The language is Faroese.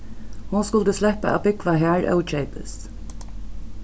hon skuldi sleppa at búgva har ókeypis